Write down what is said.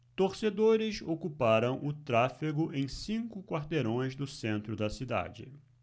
torcedores ocuparam o tráfego em cinco quarteirões do centro da cidade